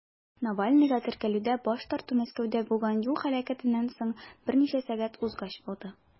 Навальныйга теркәлүдә баш тарту Мәскәүдә булган юл һәлакәтеннән соң берничә сәгать узгач булды.